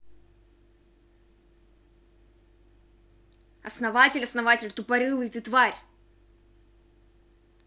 основатель основатель тупорылый ты тварь